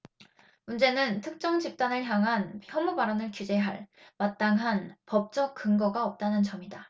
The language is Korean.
문제는 특정 집단을 향한 혐오발언을 규제할 마땅한 법적 근거가 없다는 점이다